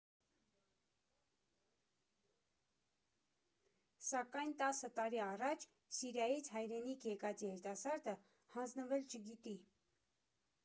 Սակայն տասը տարի առաջ Սիրիայից հայրենիք եկած երիտասարդը հանձնվել չգիտի։